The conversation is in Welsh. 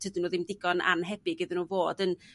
dydyn n'w ddim digon annhebyg iddyn n'w fod yn